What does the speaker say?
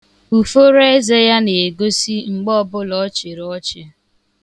Uforoeze ya na-egosi mgbe ọbụla ọ chịrị ọchị.